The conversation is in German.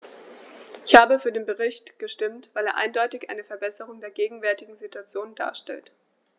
Ich habe für den Bericht gestimmt, weil er eindeutig eine Verbesserung der gegenwärtigen Situation darstellt.